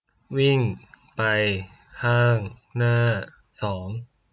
วิ่งไปข้างหน้าสอง